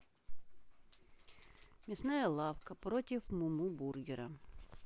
мясная лавка против муму бургера